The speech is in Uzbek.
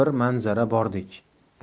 bir manzara bordek